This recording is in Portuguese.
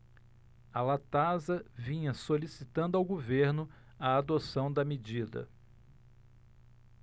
a latasa vinha solicitando ao governo a adoção da medida